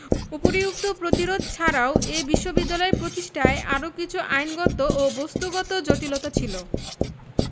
উপরিউক্ত প্রতিরোধ ছাড়াও এ বিশ্ববিদ্যালয় প্রতিষ্ঠায় আরও কিছু আইনগত ও বস্তুতগত জটিলতা ছিল